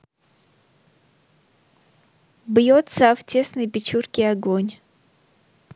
бьется в тесной печурки огонь